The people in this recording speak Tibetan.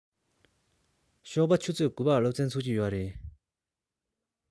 ཞོགས པ ཆུ ཚོད དགུ པར སློབ ཚན ཚུགས ཀྱི ཡོད རེད